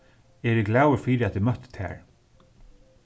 eg eri glaður fyri at eg møtti tær